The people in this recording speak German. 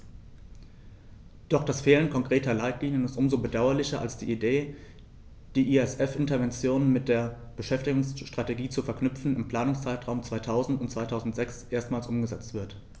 Doch das Fehlen konkreter Leitlinien ist um so bedauerlicher, als die Idee, die ESF-Interventionen mit der Beschäftigungsstrategie zu verknüpfen, im Planungszeitraum 2000-2006 erstmals umgesetzt wird.